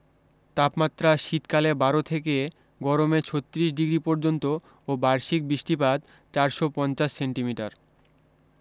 তাপমাত্রা শীতকালে বারো থেকে গরমে ছত্রিশ ডিগ্রী পর্যন্ত ও বার্ষিক বৃষ্টিপাত চারশো পঞ্চাশ সেন্টিমিটার